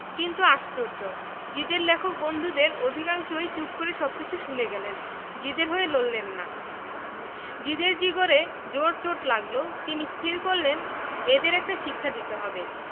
কিন্তু আশ্চর্য জিদের লেখক বন্ধুদের অধিকাংশই চুপ করে সবকিছু শুনে গেলেন জিদে র হয়ে লড়লেন না জিদে র জিগরে জোর চোট লাগল তিনি স্থির করলেন এদের একটা শিক্ষা দিতে হবে